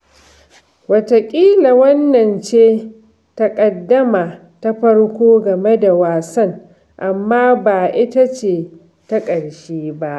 Wataƙila wannan ce taƙaddama ta farko game da wasan, amma ba ita ce ta ƙarshe ba.